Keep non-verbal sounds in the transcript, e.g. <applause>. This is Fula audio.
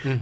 <hesitation> <hesitation>